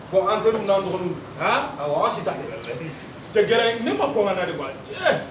An teri' an dɔgɔnin sita cɛ g ne ma ko ma wa